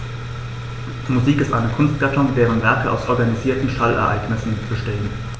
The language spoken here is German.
Musik ist eine Kunstgattung, deren Werke aus organisierten Schallereignissen bestehen.